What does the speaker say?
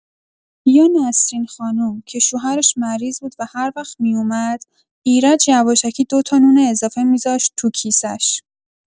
یا نسرین خانم، که شوهرش مریض بود و هر وقت می‌اومد، ایرج یواشکی دوتا نون اضافه می‌ذاشت تو کیسه‌ش.